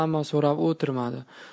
ammo so'rab o'tirmadi